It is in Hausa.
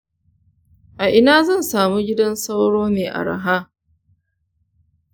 a ina zan samu gidan sauro mai araha?